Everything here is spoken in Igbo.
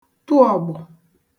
tụ ọ̀gbọ̀